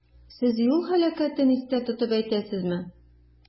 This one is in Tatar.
Сез юл һәлакәтен истә тотып әйтәсезме?